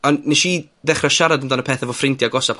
ond nesh i dechra siarad amdan y petha 'fo ffrindia 'gosa...